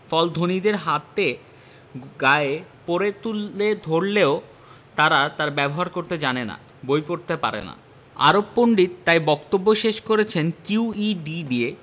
ফল ধনীদের হাতে গায়ে পড়ে তুলে ধরলেও তারা তার ব্যবহার করতে জানে না বই পড়তে পারে না আরব পণ্ডিত তাই বক্তব্য শেষ করেছেন কিউ ই ডি দিয়ে